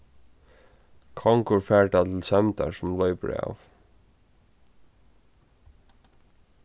kongur fær tað til sømdar sum loypur av